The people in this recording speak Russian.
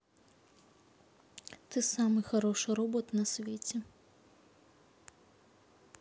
ты самый хороший робот на свете